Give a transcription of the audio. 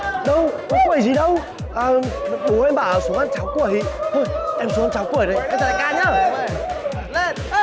đâu có quẩy gì đâu à bố em bảo là xuống ăn cháo quẩy thôi em xuống ăn cháo quẩy đây em chào đại ca nhớ